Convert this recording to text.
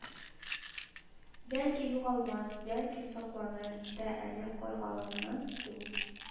Бәлки, югалмас, бәлки, сакланыр да әле Каргалының ул